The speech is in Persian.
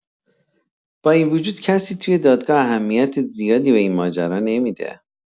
با این وجود کسی توی دادگاه‌ها اهمیت زیادی به این ماجرا نمی‌ده